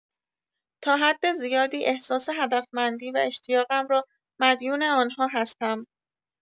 تا حد زیادی احساس هدفمندی و اشتیاقم را مدیون آن‌ها هستم.